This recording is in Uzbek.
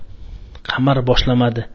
qamar boshlamadi